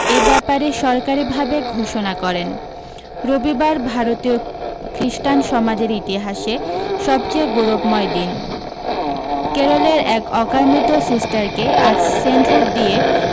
এ ব্যাপারে সরকারিভাবে ঘোষণা করেন রবিবার ভারতীয় খ্রীষ্টান সমাজের ইতিহাসে সবচেয়ে গুরবময় দিন কেরলের এক অকালমৃত সিস্টারকে আজ সেন্টহুড দিয়ে